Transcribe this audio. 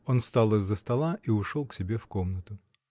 Он встал из-за стола и ушел к себе в комнату.